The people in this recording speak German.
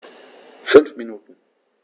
5 Minuten